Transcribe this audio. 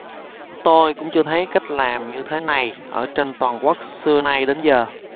tôi cũng chưa thấy cách làm như thế này ở trên toàn quốc xưa nay đến giờ